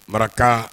Maraka